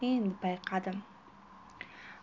endi payqadim